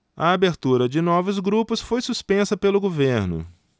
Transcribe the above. a abertura de novos grupos foi suspensa pelo governo